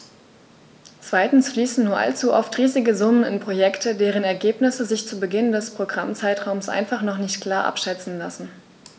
Zweitens fließen nur allzu oft riesige Summen in Projekte, deren Ergebnisse sich zu Beginn des Programmzeitraums einfach noch nicht klar abschätzen lassen.